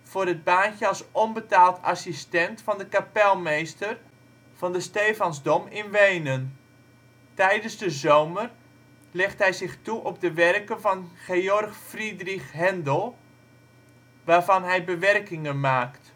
voor het baantje als onbetaald assistent van de kapelmeester van de Stephansdom in Wenen. Tijdens de zomer legt hij zich toe op de werken van Georg Friedrich Händel, waarvan hij bewerkingen maakt